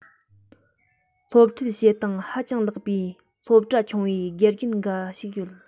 སློབ ཁྲིད བྱེད སྟངས ཧ ཅང ལེགས པའི སློབ གྲྭ ཆུང བའི དགེ རྒན འགའ ཞིག ཡོད